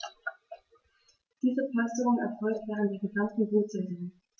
Diese Polsterung erfolgt während der gesamten Brutsaison.